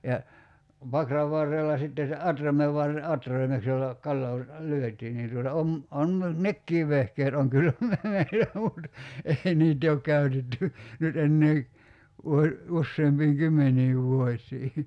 ja pakran varrella sitten se atraimen - atraimeksi jolla kalaa lyötiin niin tuota on on minulla nekin vehkeet on kyllä - meillä mutta ei niitä ei ole käytetty nyt enää - useampiin kymmeniin vuosiin